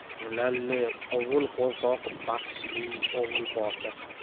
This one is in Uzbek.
mullali ovul qo'rqoq baxshili ovul botir